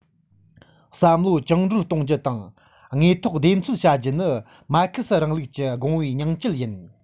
བསམ བློ བཅིངས འགྲོལ གཏོང རྒྱུ དང དངོས ཐོག བདེན འཚོལ བྱ རྒྱུ ནི མར ཁེ སིའི རིང ལུགས ཀྱི དགོངས པའི སྙིང བཅུད ཡིན